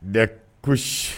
Des couches